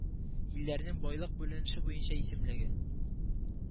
Илләрнең байлык бүленеше буенча исемлеге